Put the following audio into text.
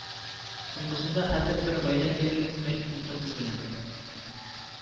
Соңгысында хәзер һәр гаилә диярлек мәк утырту белән